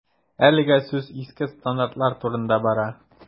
Әлегә сүз иске стандартлар турында бара.